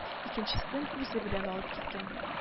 Икенчесен үзе белән алып киткән